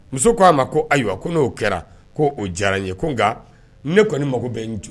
Muso ko a ma ko ayiwa ko n'o kɛra, ko o diyara n ye ko nka ne kɔni mago bɛ n jo